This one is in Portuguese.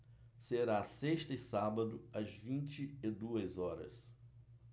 será sexta e sábado às vinte e duas horas